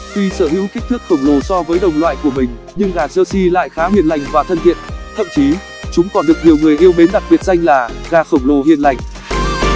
tuy sở hữu kích thước khổng lồ so với đồng loại của mình nhưng gà jersey lại khá hiền lành và thân thiện thậm chí chúng còn được nhiều người yêu mến đặt biệt danh là gà khổng lồ hiền lành